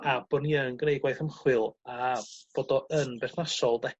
a bo' ni yn greu gwaith ymchwil a bod o yn berthnasol de?